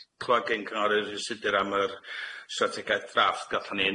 c- clywad gyn cyngorydd Rhys Tudur am yr strategaeth ddrafft gathon ni